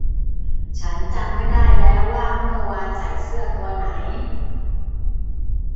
ฉันจำไม่ได้แล้วว่าเมื่อวานใส่เสื้อตัวไหน